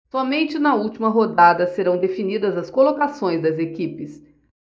somente na última rodada serão definidas as colocações das equipes